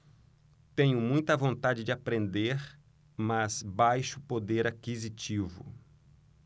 tenho muita vontade de aprender mas baixo poder aquisitivo